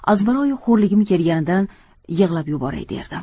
azbaroyi xo'rligim kelganidan yig'lab yuboray derdim